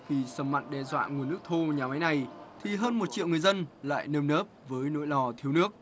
vì xâm mặn đe dọa nguồn nước thô nhà máy này thì hơn một triệu người dân lại nơm nớp với nỗi lo thiếu nước